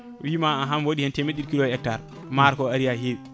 wiima ahan mi waɗi hen temedde ɗiɗi kiols e hectare maaro ko aari ha heewi